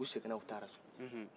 u segina u taara so